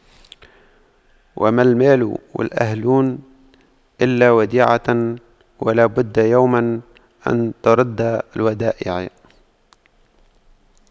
وما المال والأهلون إلا وديعة ولا بد يوما أن تُرَدَّ الودائع